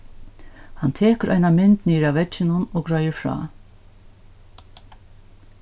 hann tekur eina mynd niður av vegginum og greiðir frá